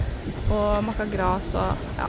Og måker gras og, ja.